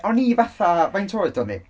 O'n i fatha, faint oed o'n i?